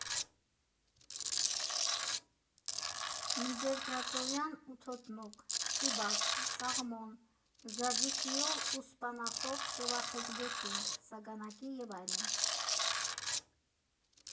Միջերկրածովյան ութոտնուկ, սիբաս, սաղմոն՝ ձաձիկիով ու սպանախով, ծովախեցգետին սագանակի և այլն։